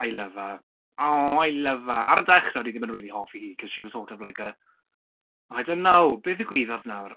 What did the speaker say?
I love her. Oh, I love her. Ar y dechrau o'n ni ddim yn rili hoffi hi because she was sort of like a... oh I don't know be ddigwyddod nawr?